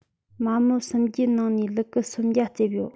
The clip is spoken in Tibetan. མ མོ སུམ བརྒྟའི ནང ནས ལུ གུ སོམ བརྒྱ རྩེབས ཡོད